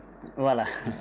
voilà